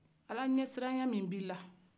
ala ɲɛsiran ɲa min b'i la